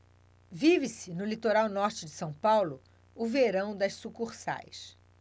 vive-se no litoral norte de são paulo o verão das sucursais